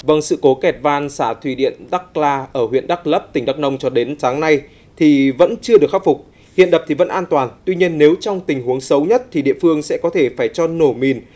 vâng sự cố kẹt van xả thủy điện đắc la ở huyện đắc lấp tỉnh đắc nông cho đến sáng nay thì vẫn chưa được khắc phục hiện đập thì vẫn an toàn tuy nhiên nếu trong tình huống xấu nhất thì địa phương sẽ có thể phải cho nổ mìn